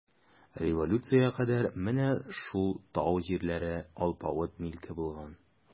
Революциягә кадәр менә шул тау җирләре алпавыт милке булган.